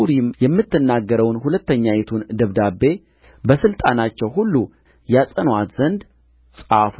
ፉሪም የምትናገረውን ሁለተኛይቱን ደብዳቤ በሥልጣናቸው ሁሉ ያጸኑአት ዘንድ ጻፉ